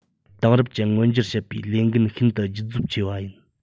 དེང རབས ཅན མངོན འགྱུར བྱེད པའི ལས འགན ནི ཤིན ཏུ ལྗིད རྫོབ ཆེ བ ཡིན